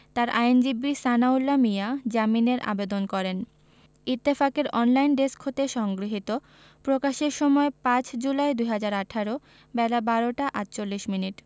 তার আইনজীবী সানাউল্লাহ মিয়া জামিনের আবেদন করেন ইত্তফাকের অনলাইন ডেস্ক হতে সংগৃহীত প্রকাশের সময় ৫ জুলাই ২০১৮ বেলা১২টা ৪৮ মিনিট